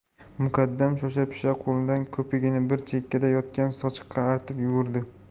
muqaddam shoshapisha qo'lining ko'pigini bir chekkada yotgan sochiqqa artib yugurdi